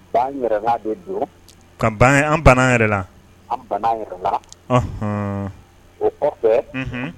Ban yɛrɛ na de don, unhun, ka ban an yɛrɛ la ,ɔhɔ, o kɔfɛ, unhun.